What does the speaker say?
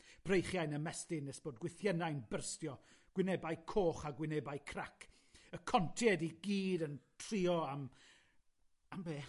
breichiau'n ymestyn nes bod gwythiennau'n byrstio, gwynebau coch a gwynebau crac, y contiaid i gyd yn trio am am beth.